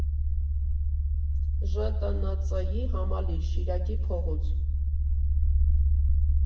ԺՏՆՑ֊ի համալիր, Շիրակի փողոց։